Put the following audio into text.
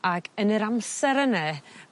ag yn yr amser yne